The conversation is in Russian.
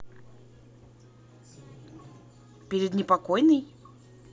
перед непокойный